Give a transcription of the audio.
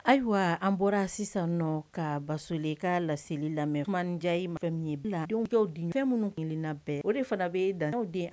Ayiwa an bɔra sisan ka basolen ka laseli lamɛnmani diya i ma fɛn min ye biladenww di fɛn minnu kelenna bɛɛ o de fana bɛ dan de